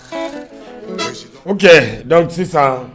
O don sisan